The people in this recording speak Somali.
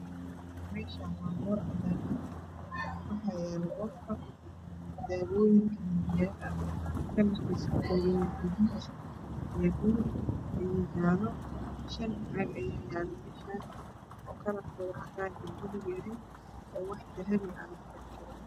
Meeshaan waxaa fadhiya waxaa fadhiyo waadaadyo oo baashalanaa waxay cabaayaan casriyo iyagoo badan weyna fariistan galab walbo sii ay isku barataan